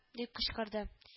— дип кычкырды